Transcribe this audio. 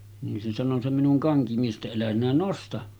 niin se sanoi se minun kankimies että älä sinä nosta